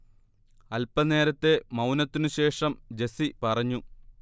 അല്പ്പനേരത്തെ മൌനത്തിനു ശേഷം ജെസ്സി പറഞ്ഞു